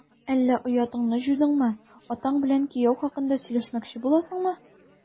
Әллә оятыңны җуйдыңмы, атаң белән кияү хакында сөйләшмәкче буласыңмы? ..